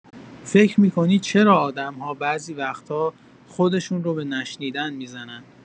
فکر می‌کنی چرا آدم‌ها بعضی وقتا خودشون رو به نشنیدن می‌زنن؟